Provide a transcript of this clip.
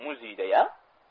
muzeyda ya